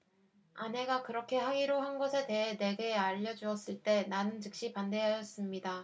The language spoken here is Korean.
아내가 그렇게 하기로 한 것에 대해 내게 알려 주었을 때 나는 즉시 반대하였습니다